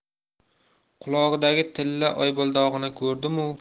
qulog'idagi tilla oybaldog'ini ko'rdimu